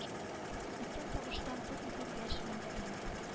Үткән сагыштан тып итеп яшь мендәремә